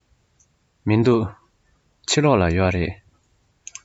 མི འདུག ཕྱི ལོགས ལ ཡོད རེད